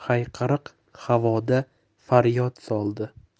hayqiriq havoda faryod soldi